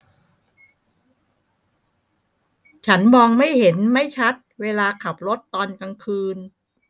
ฉันมองไม่เห็นไม่ชัดเวลาขับรถตอนกลางคืน